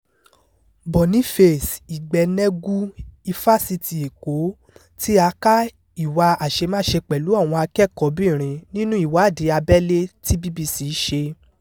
Boniface Igbeneghu, Ifásitì Èkó, tí a ká ìwà àṣemáṣe pẹ̀lú àwọn akẹ́kọ̀ọ́bìrin nínú ìwádìí abẹ́lẹ̀ tí BBC ṣe.